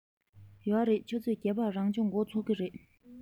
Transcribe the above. ཡོད རེད ཆུ ཚོད བརྒྱད པར རང སྦྱོང འགོ ཚུགས ཀྱི རེད